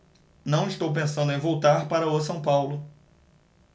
não estou pensando em voltar para o são paulo